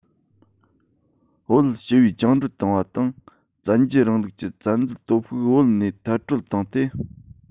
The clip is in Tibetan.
བོད ཞི བས བཅིངས འགྲོལ བཏང བ དང བཙན རྒྱལ རིང ལུགས ཀྱི བཙན འཛུལ སྟོབས ཤུགས བོད ནས མཐར སྐྲོད བཏང སྟེ